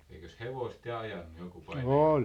eikös hevosta ja ajanut joku painajainen